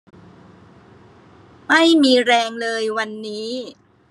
ไม่มีแรงเลยวันนี้